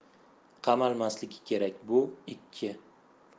qamalmasligi kerak bu ikki